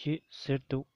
ཟེར བཤད འདུག